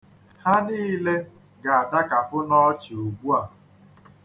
Ha niile ga-adakapụ n'ọchị ugbua.